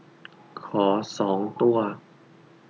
ขอสองตัว